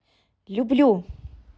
люблю